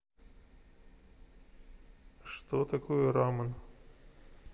что такое рамен